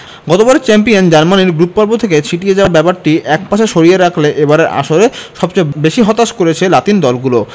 গতবারের চ্যাম্পিয়ন জার্মানির গ্রুপপর্ব থেকে ছিটকে যাওয়ার ব্যাপারটি একপাশে সরিয়ে রাখলে এবারের আসরে সবচেয়ে বেশি হতাশ করেছে লাতিন দলগুলো